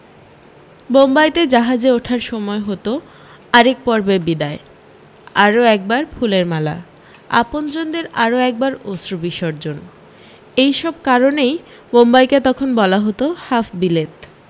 বম্বাইতে জাহাজে ওঠার সময় হত আরেক পর্বের বিদায় আরও একবার ফুলের মালা আপনজনদের আরও একবার অশ্রুবিসর্জন এইসব কারণেই বম্বাইকে তখন বলা হত হাফ বিলেত